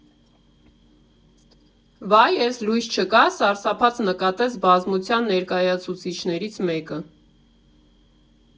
Վայ, էս լույս չկա՞, ֊ սարսափած նկատեց բազմության ներկայացուցիչներից մեկը։